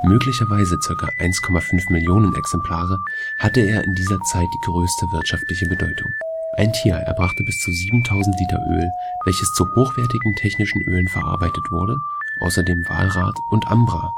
möglicherweise ca. 1,5 Millionen Exemplare) hatte er in dieser Zeit die größte wirtschaftliche Bedeutung. Ein Tier erbrachte bis zu 7000 Liter Öl, welches zu hochwertigen technischen Ölen verarbeitet wurde, außerdem Walrat und Ambra.